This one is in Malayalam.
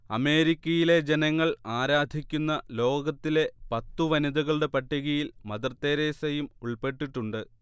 അമേരിക്കയിലെ ജനങ്ങൾ ആരാധിക്കുന്ന ലോകത്തിലെ പത്തു വനിതകളുടെ പട്ടികയിൽ മദർ തെരേസയും ഉൾപ്പെട്ടിട്ടുണ്ട്